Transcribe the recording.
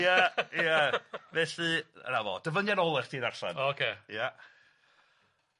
Ie, ie, felly 'na fo. Dyfyniad ola' i chi ddarllen. Ocê. Ia.